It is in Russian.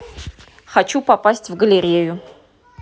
хочу попасть в галерею